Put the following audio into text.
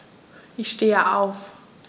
Ich stehe auf.